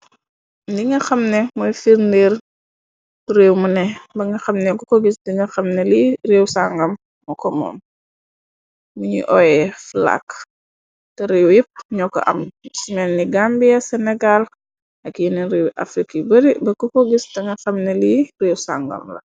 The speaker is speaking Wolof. Li nga xamne mooy firndeer réew mëne ba nga xamne kokko gis di nga xamne li réew sangam moko moom miñuy oye flag te reew ipp ño ko am simelni gàmbiye se negal ak yeneen réew afrik yi bare ba koko gis te nga xamne lii réew sangam la.